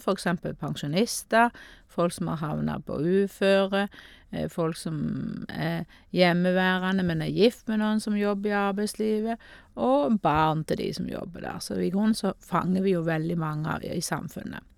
For eksempel pensjonister, folk som har havna på uføre, folk som er hjemmeværende, men er gift med noen som jobber i arbeidslivet, og barn til de som jobber der, så i grunn så fanger vi jo veldig mange av je i samfunnet.